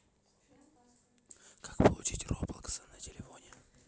как получить роблокса на телефоне